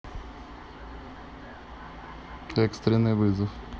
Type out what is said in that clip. экстренный вызов